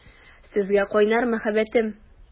Сезгә кайнар мәхәббәтем!